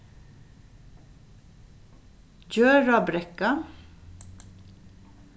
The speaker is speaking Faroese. gjørðabrekka